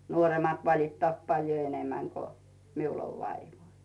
nuoremmat valittaa paljon enemmän kuin minulla on vaivoja